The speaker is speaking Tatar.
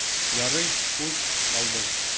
Ярый, хуш, балдыз.